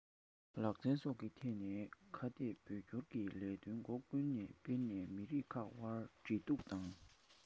ལག རྩལ སོགས ཀྱི ཐད ནས ཁ གཏད བོད སྐྱོར གྱི ལས དོན སྒོ ཀུན ནས སྤེལ ནས མི རིགས ཁག དབར འབྲེལ གཏུག དང